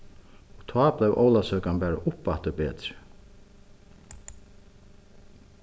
og tá bleiv ólavsøkan bara uppaftur betri